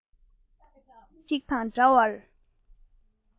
བཟོས རྗེས རྔོན པ ཞིག དང འདྲ བར